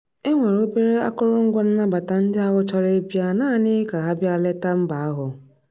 E nwere obere akụrụngwa nabata ndị ahụ chọrọ ịbịa naanị ka ha bịa leta mba ahụ.